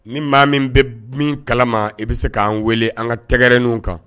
Ni maa min bɛ min kalama i bɛ se k'an wele an ka tɛgɛɛrɛrɛnnenw kan